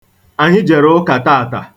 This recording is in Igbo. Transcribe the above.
Anyị jere ụka taata.